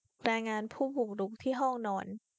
รายงานผู้บุกรุกที่ห้องนอน